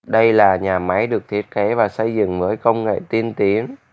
đây là nhà máy được thiết kế và xây dựng với công nghệ tiên tiến